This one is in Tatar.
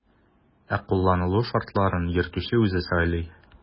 Ә кулланылу шартларын йөртүче үзе сайлый.